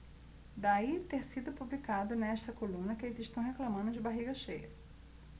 daí ter sido publicado nesta coluna que eles reclamando de barriga cheia